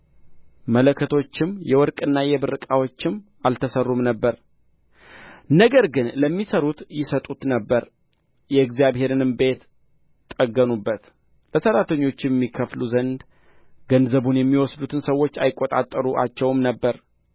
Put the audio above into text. መለከቶችም የወርቅና የብር ዕቃዎችም አልተሠሩም ነበር ነገር ግን ለሚሠሩት ይሰጡት ነበር የእግዚአብሔርንም ቤት ጠገኑበት ለሠራተኞችም ይከፍሉ ዘንድ ገንዘቡን የሚወስዱትን ሰዎች አይቆጣጠሩአቸውም ነበር